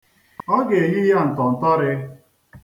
Ọ ga-eyi ya ntọntọrị.